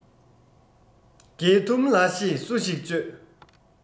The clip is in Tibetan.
མགལ དུམ ལ ཤེ སུ ཞིག སྤྱོད